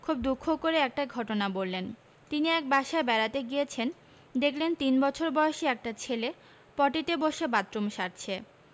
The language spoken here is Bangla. খুব দুঃখ করে একটা ঘটনা বললেন তিনি এক বাসায় বেড়াতে গিয়েছেন দেখলেন তিন বছর বয়েসী একটি ছেলে পটিতে বসে বাথরুম সারছে